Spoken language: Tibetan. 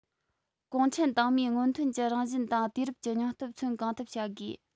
གུང ཁྲན ཏང མིའི སྔོན ཐོན གྱི རང བཞིན དང དུས རབས ཀྱི སྙིང སྟོབས མཚོན གང ཐུབ བྱ དགོས